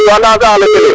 To anda sax le felee